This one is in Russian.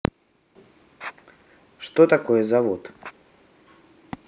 что такое завод